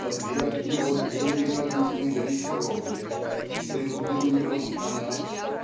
подверг его невеликодушной дрессировке и принудил его стонать